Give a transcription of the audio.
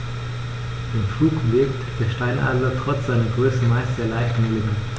Im Flug wirkt der Steinadler trotz seiner Größe meist sehr leicht und elegant.